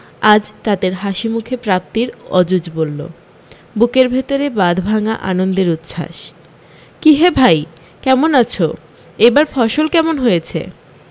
আজ তাদের হাসিমুখে প্রাপ্তির অুজজবল্য বুকের ভেতরে বাঁধভাঙ্গা আনন্দের উচ্ছ্বাস কী হে ভাই কেমন আছো এই বার ফসল কেমন হয়েছে